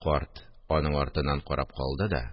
Карт аның артыннан карап калды да